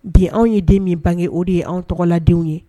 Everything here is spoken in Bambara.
Bi anw ye den min bange o de ye anw tɔgɔladenw ye !